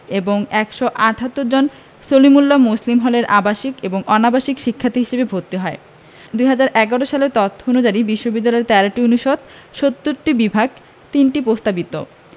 এবং ১৭৮ জন সলিমুল্লাহ মুসলিম হলের আবাসিক ও অনাবাসিক শিক্ষার্থী হিসেবে ভর্তি হয় ২০১১ সালের তথ্য অনুযায়ী বিশ্ববিদ্যালয়ে ১৩টি অনুষদ ৭০টি বিভাগ ৩টি প্রস্তাবিত